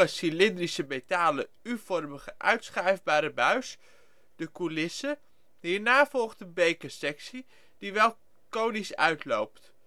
cylindrische metalen u-vormige uitschuifbare buis (de coulisse). Hierna volgt de bekersectie, die wel conisch uitloopt